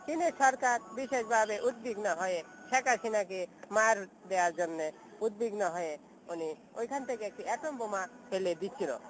চীনের সরকার বিশেষভাবে উদ্বিগ্ন হয়ে শেখ হাসিনাকে মার দেওয়ার জন্য উদ্বিগ্ন হয়ে উনি ওইখান থেকে একটি এটম বোমা ফেলে দিয়েছিল